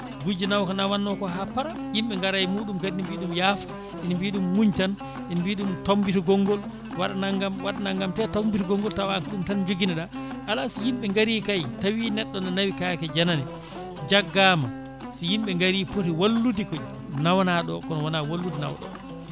gujjo nawa ko nawanno ko ha paara yimɓe gaara e muɗum kadi ene mbiya ɗum yaafo ene mbiya ɗum muñ tan en mbiya ɗum tambito gongol waad naggam waad naggam te tambito gongaol te taw an ko ɗum tan joguino ɗa ala so yimɓe gaari kayi tawi neɗɗo ne nawi kaake janane jaggama so yimɓe gaari pooti wallude ko nawanaɗo o kono woona wallude nawɗo o